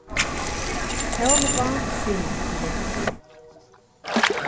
sólvá simonsen